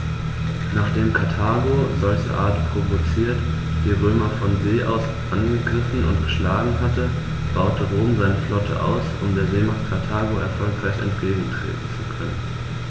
Nachdem Karthago, solcherart provoziert, die Römer von See aus angegriffen und geschlagen hatte, baute Rom seine Flotte aus, um der Seemacht Karthago erfolgreich entgegentreten zu können.